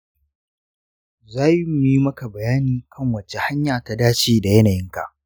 za mu yi maka bayani kan wacce hanya ta dace da yanayinka.